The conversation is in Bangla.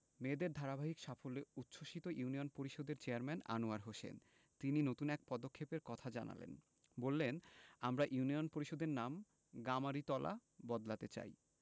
মেয়েদের ধারাবাহিক সাফল্যে উচ্ছ্বসিত ইউনিয়ন পরিষদের চেয়ারম্যান আনোয়ার হোসেন তিনি নতুন এক পদক্ষেপের কথা জানালেন বললেন আমরা ইউনিয়ন পরিষদের নাম গামারিতলা বদলাতে চাই